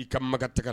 I ka ma taga la